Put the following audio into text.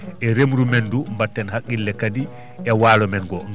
e remru men ndu mbatten haqqille kadi e walo men ngo